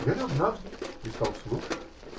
Я лег навзничь и стал слушать.